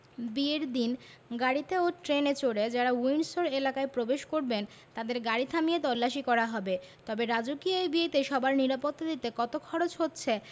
বিয়ের দিন গাড়িতে ও ট্রেনে চড়ে যাঁরা উইন্ডসর এলাকায় প্রবেশ করবেন তাঁদের গাড়ি থামিয়ে তল্লাশি করা হবে তবে রাজকীয় এই বিয়েতে সবার নিরাপত্তা দিতে কত খরচ হচ্ছে